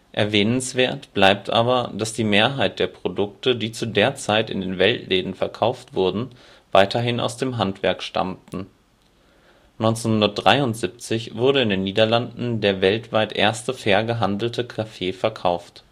Erwähnenswert bleibt aber, dass die Mehrheit der Produkte, die zu der Zeit in den Weltläden verkauft wurden, weiterhin aus dem Handwerk stammten. 1973 wurde in den Niederlanden der weltweit erste fair gehandelte Kaffee verkauft